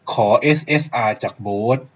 ขอเอสเอสอาจากโบ๊ท